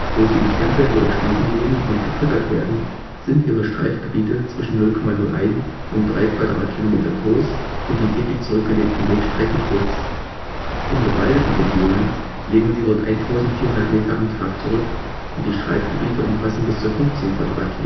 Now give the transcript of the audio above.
Wo sie in Tempeln oder Städten leben und gefüttert werden, sind ihre Streifgebiete zwischen 0,01 und 3 km2 groß und die täglich zurückgelegten Wegstrecken kurz. In bewaldeten Regionen legen sie rund 1400 Meter am Tag zurück und die Streifgebiete umfassen bis zu 15 km2. In